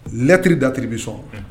Lettre d'attribution